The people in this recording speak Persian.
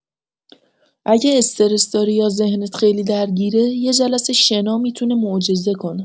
اگه استرس داری یا ذهنت خیلی درگیره، یه جلسه شنا می‌تونه معجزه کنه.